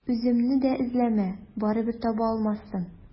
Үземне дә эзләмә, барыбер таба алмассың.